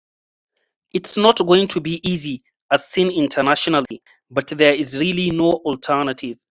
It's not going to be easy as seen internationally, but there is really no alternative.